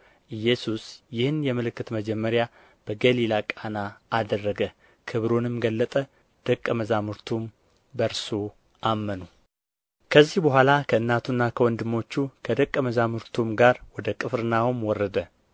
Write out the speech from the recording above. ኢየሱስ ይህን የምልክቶች መጀመሪያ በገሊላ ቃና አደረገ ክብሩንም ገለጠ ደቀ መዛሙርቱም በእርሱ አመኑ ከዚህ በኋላ ከእናቱና ከወንድሞቹ ከደቀ መዛሙርቱም ጋር ወደ ቅፍርናሆም ወረደ